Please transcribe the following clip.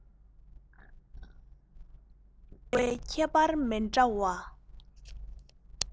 ཉམས འགྱུར དང